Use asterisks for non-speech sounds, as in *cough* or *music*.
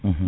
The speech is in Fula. *hesitation* *hesitation*